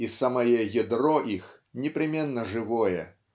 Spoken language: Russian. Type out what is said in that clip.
и самое ядро их -- непременно живое.